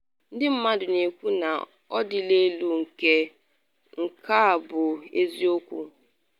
“Ndị mmadụ na-ekwu na ọ dịla elu; nke a bụ eziokwu.